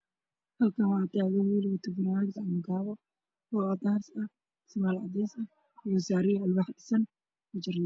Waxaa ii muuqda nin guri dhisayo oo fanaanad jaalle ah wato